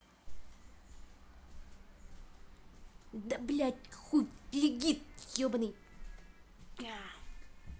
ты блять хуй легит ебаный